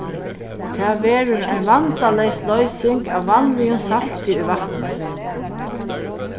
tað verður ein vandaleys loysing av vanligum salti í vatni